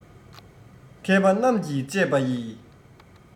མཁས པ རྣམས ཀྱིས དཔྱད པ ཡི